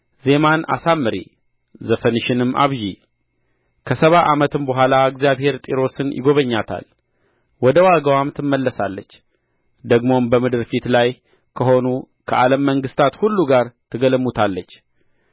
ዜማን አሳምሪ ዘፈንሽንም አብዢ ከሰባ ዓመትም በኋላ እግዚአብሔር ጢሮስን ይጐበኛታል ወደ ዋጋዋም ትምለሳለች ደግሞም በምድር ፊት ላይ ከሆኑ ከዓለም መንግሥታት ሁሉ ጋር ትገለሙታለች